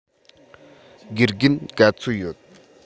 དགེ རྒན ག ཚོད ཡོད